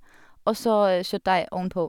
Og så kjøttdeig ovenpå.